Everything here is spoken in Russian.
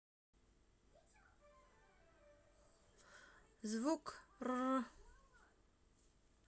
звук р